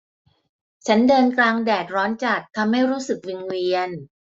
ฉันเดินกลางแดดร้อนจัดทำให้รู้สึกวิงเวียน